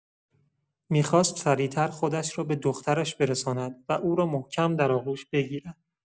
می‌خواست سریع‌تر خودش را به دخترش برساند و او را محکم در آغوش بگیرد.